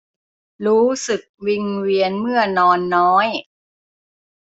รู้สึกวิงเวียนเมื่อนอนน้อย